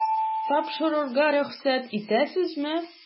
Тапшырырга рөхсәт итәсезме? ..